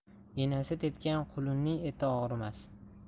enasi tepgan qulunning eti og'rimas